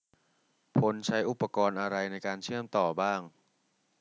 พลใช้อุปกรณ์อะไรในการเชื่อมต่อบ้าง